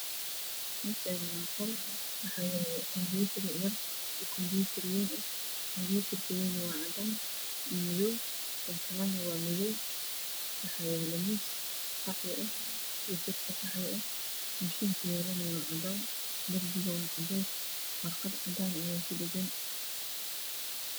Meshani waa qol waxa yalo kunpiitar yar iyo kunpiitar ween kunpiitarka ween waaa cadan iyobmadow kan kale waa madow waxa yalo miis qaxwi ah iyo kursi qaxwi ah mashiinka yaalna waa cadees darpiga waa cadees warqad cadan aya ku dhagan